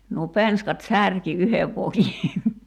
nuo penskat särki yhden vokin